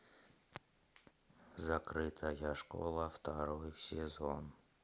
закрытая школа второй сезон